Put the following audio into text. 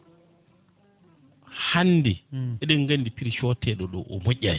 hande eɗen gandi prix cotteɗo ɗo o moƴƴani